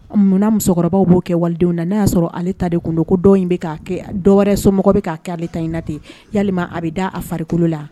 Munna musokɔrɔba b'o kɛ walidenw na n'a y'a sɔrɔ' ale ta de kun don ko dɔ in bɛ' kɛ dɔwɛrɛ somɔgɔw bɛ'a kɛ ale ta in na ten ya a bɛ da a farikolo la